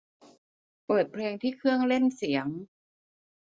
เปิดเพลงที่เครื่องเล่นเสียง